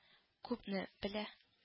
Күпне белә